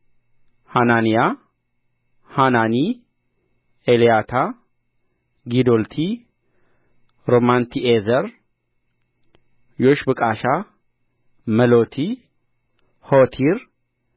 ሐናንያ ሐናኒ ኤልያታ ጊዶልቲ ሮማንቲዔዘር ዮሽብቃሻ መሎቲ ሆቲር